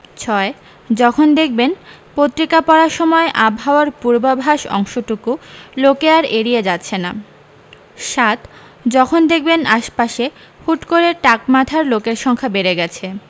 ৬ যখন দেখবেন পত্রিকা পড়ার সময় আবহাওয়ার পূর্বাভাস অংশটুকু লোকে আর এড়িয়ে যাচ্ছে না ৭ যখন দেখবেন আশপাশে হুট করে টাক মাথার লোকের সংখ্যা বেড়ে গেছে